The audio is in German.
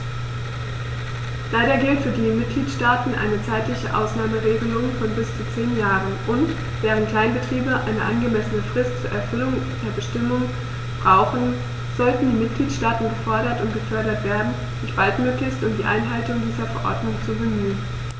Leider gilt für die Mitgliedstaaten eine zeitliche Ausnahmeregelung von bis zu zehn Jahren, und, während Kleinbetriebe eine angemessene Frist zur Erfüllung der Bestimmungen brauchen, sollten die Mitgliedstaaten gefordert und gefördert werden, sich baldmöglichst um die Einhaltung dieser Verordnung zu bemühen.